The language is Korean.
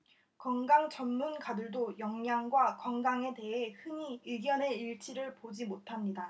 건강 전문가들도 영양과 건강에 대해 흔히 의견의 일치를 보지 못합니다